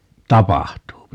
tapahtuu